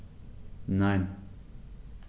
Nein.